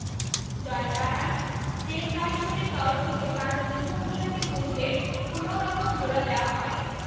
জয়া জানান প্রেম কালেকশন এর তরফ থেকে বানানো দীর্ঘ পোশাকটি তৈরিতে কোনো রকম জোড়া দেয়া হয়নি